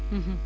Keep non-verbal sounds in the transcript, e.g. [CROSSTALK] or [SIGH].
[HESITATION] [HESITATION]